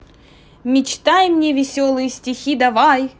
мечтай мне веселые стихи давай